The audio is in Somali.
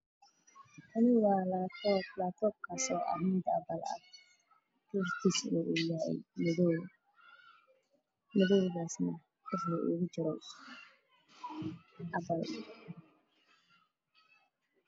Kani waa labtob labtoobkasoo ah mid apple ah kalarkiisana uu madow madowgaso dhexda ugajiro apple